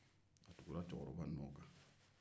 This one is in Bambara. a tugura cɛkɔrɔba nɔ fɛ